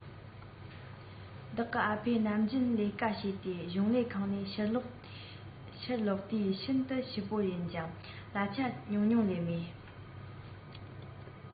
བདག གི ཨ ཕས ནམ རྒྱུན ལས ཀ བྱས ཏེ གཞུང ལས ཁང ནས ཕྱིར ལོག དུས ཤིན ཏུ འཕྱི པོ ཡིན ཀྱང གླ ཆ ཉུང ཉུང ལས མེད